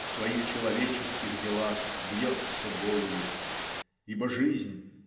в своих человеческих делах бьется болью. Ибо жизнь